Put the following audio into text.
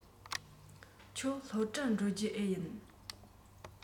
ཁྱོད སློབ གྲྭར འགྲོ རྒྱུ འེ ཡིན